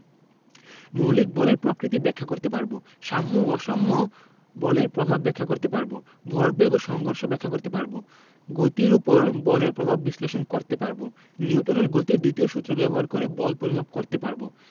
মৌলিক বলের প্রকৃতি ব্যাখ্যা করতে পারব সাম্য ও অসাম্য বলের প্রভাব ব্যাখ্যা করতে পারব ভরবেগ এবং সংঘর্ষ ব্যাখ্যা করতে পারব গতির উপর বলের প্রভাব বিশ্লেষণ করতে পারব নিউটনের গতির দ্বিতীয় সূত্র ব্যবহার করে বল পরিমাপ করতে পারব